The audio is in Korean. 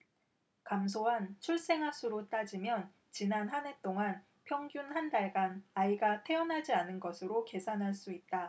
감소한 출생아 수로 따지면 지난 한 해 동안 평균 한 달간 아이가 태어나지 않은 것으로 계산할 수 있다